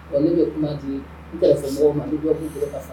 Wa ne bɛ kuma di n ka fɔ mɔgɔw ma i bɔ'